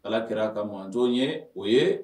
Ala kɛra a ka mantɔ ye o ye